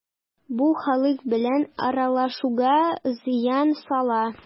Бу халык белән аралашуга зыян сала.